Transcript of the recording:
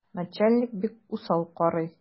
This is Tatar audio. Начальник бик усал карый.